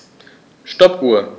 Stoppuhr.